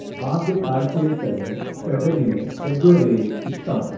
ആദ്യ കാഴ്ചയിൽ തന്നെ ഫെദിലീനു ചെ ഗുവേരയെ ഇഷ്ടമായി